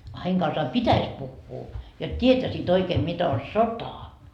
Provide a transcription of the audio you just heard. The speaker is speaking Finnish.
a heidän kanssaan pitäisi puhua jotta tietäisivät oikein mitä on sota